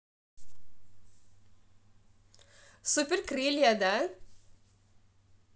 супер крылья да